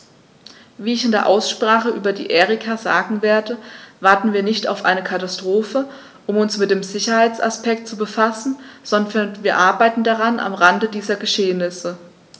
Wie ich in der Aussprache über die Erika sagen werde, warten wir nicht auf eine Katastrophe, um uns mit dem Sicherheitsaspekt zu befassen, sondern wir arbeiten daran am Rande dieser Geschehnisse.